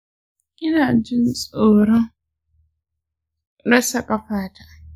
ina jin tsoron rasa ƙafata.